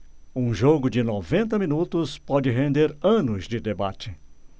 um jogo de noventa minutos pode render anos de debate